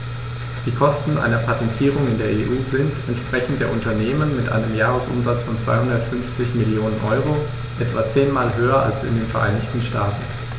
Die Kosten einer Patentierung in der EU sind, entsprechend der Unternehmen mit einem Jahresumsatz von 250 Mio. EUR, etwa zehnmal höher als in den Vereinigten Staaten.